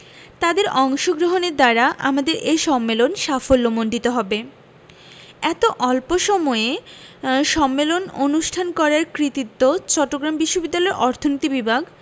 তাদের অংশগ্রহণের দ্বারা আমাদের এ সম্মেলন সাফল্যমণ্ডিত হবে এত অল্প সময়ে সম্মেলন অনুষ্ঠান করার কৃতিত্ব চট্টগ্রাম বিশ্ববিদ্যালয়ের অর্থনীতি বিবাগ